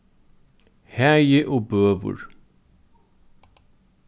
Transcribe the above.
hagi og bøur